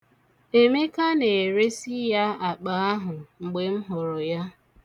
Emeka na-eresi ya akpa ahụ mgbe m hụrụ ya.